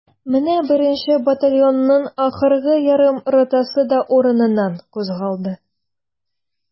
Менә беренче батальонның ахыргы ярым ротасы да урыныннан кузгалды.